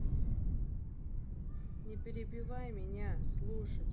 не перебивай меня слушать